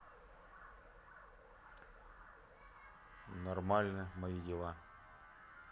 нормально мои дела